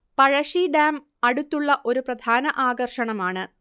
Pazhassi dam അടുത്തുള്ള ഒരു പ്രധാന ആകർഷണമാണ്